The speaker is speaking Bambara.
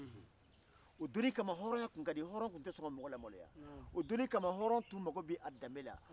a bɛ don i kɔ de ma hali ni a ma kɛ i ɲɛna hali ni a kɛra i den kelen ye bolo bɛjo o taga tɔla de la